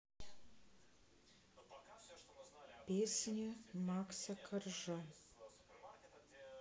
песни макса коржа